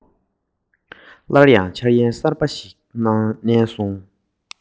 ཕྱི རོལ དུ ཙི ཙི འཚོལ བར འགྲོ གི ཡོད